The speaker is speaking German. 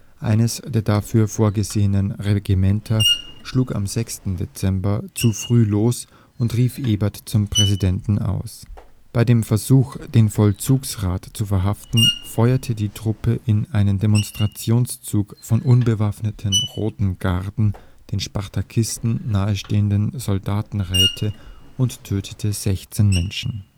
Eines der dafür vorgesehenen Regimenter schlug am 6. Dezember zu früh los und rief Ebert zum Präsidenten aus. Bei dem Versuch, den Vollzugsrat zu verhaften, feuerte die Truppe in einen Demonstrationszug von unbewaffneten „ Roten Garden “, den Spartakisten nahestehende Soldatenräte, und tötete 16 Menschen